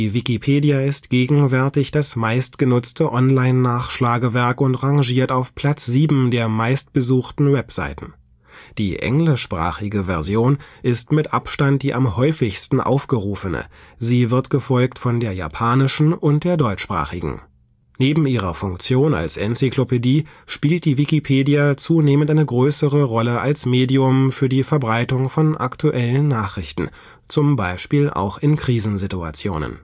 Wikipedia ist gegenwärtig das meist benutzte Online-Nachschlagewerk und rangiert auf Platz Sieben der meistbesuchten Webseiten. Die englischsprachige Version ist mit Abstand die am häufigsten aufgerufene, sie wird gefolgt von der japanischen und der deutschsprachigen. Neben ihrer Funktion als Enzyklopädie spielt die Wikipedia zunehmend eine größere Rolle als Medium für die Verbreitung von aktuellen Nachrichten, zum Beispiel auch in Krisensituationen